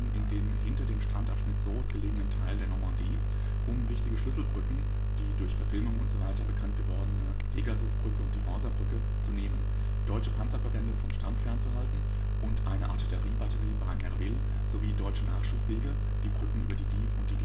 in dem hinter dem Strandabschnitt Sword gelegenen Teil der Normandie, um wichtige Schlüsselbrücken (die durch Verfilmungen usw. bekannt gewordene Pegasusbrücke und die Horsabrücke) zu nehmen, deutsche Panzerverbände vom Strand fernzuhalten und eine Artilleriebatterie bei Merville, sowie deutsche Nachschubwege (die Brücken über die Dives und die Divette